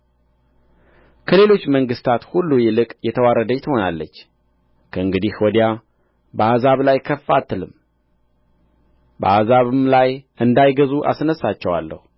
ከሌሎች መንግሥታት ሁሉ ይልቅ የተዋረደች ትሆናለች ከእንግዲህ ወዲያ በአሕዛብ ላይ ከፍ አትልም በአሕዛብም ላይ እንዳይገዙ አሳንሳቸዋለሁ